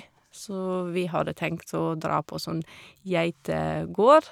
Så vi hadde tenkt å dra på sånn geitegård.